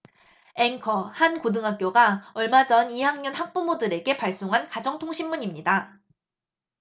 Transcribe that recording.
앵커 한 고등학교가 얼마 전 이 학년 학부모들에게 발송한 가정통신문입니다